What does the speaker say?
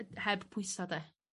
yy heb pwysa' 'de.